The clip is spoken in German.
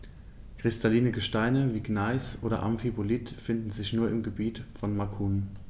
Kristalline Gesteine wie Gneis oder Amphibolit finden sich nur im Gebiet von Macun.